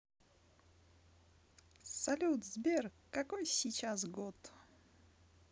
салют сбер какой сичас год